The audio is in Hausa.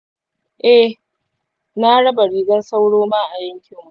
eh, na raba rigan sauro ma a yankinmu.